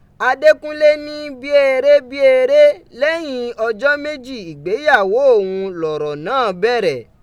Adékúnlé ni bi ere bi ere lẹyin ọjọ meji igbeyawo oun lọrọ naa bẹrẹ.